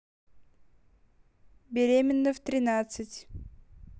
беременна в тринадцать